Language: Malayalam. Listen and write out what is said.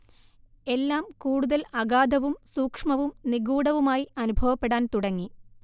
എല്ലാം കൂടുതൽ അഗാധവും സൂക്ഷ്മവും നിഗൂഢവുമായി അനുഭവപ്പെടാൻ തുടങ്ങി